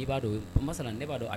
I b'a don o ma na ne b'a dɔn